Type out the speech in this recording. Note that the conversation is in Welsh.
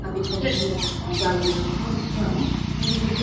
A fi'n cofio pan... ie ...wnes i ddod i gweld e, o'n i fel "Pam, pam? Mae fe'n lyfli."